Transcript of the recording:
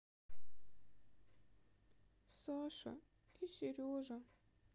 саша и сережа